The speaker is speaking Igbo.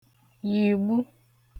yị̀gbu